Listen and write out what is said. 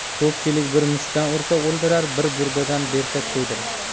ko'pchilik bir mushtdan ursa o'ldirar bir burdadan bersa to'ydirar